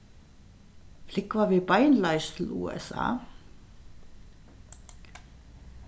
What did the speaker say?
flúgva vit beinleiðis til usa